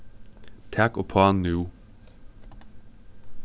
tak uppá nú